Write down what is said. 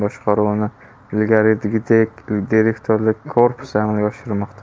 boshqaruvni ilgarigidek direktorlik korpusi amalga oshirmoqda